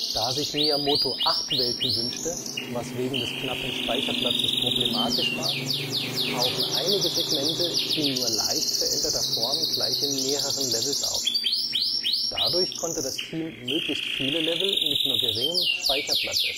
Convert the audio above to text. Da sich Miyamoto acht Welten wünschte, was wegen des knappen Speicherplatzes problematisch war, tauchen einige Segmente in nur leicht veränderter Form gleich in mehreren Levels auf. Dadurch konnte das Team möglichst viele Level mit nur geringem Speicherplatz